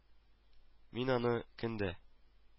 Мин аны көн дә